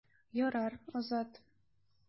Ярар, Азат.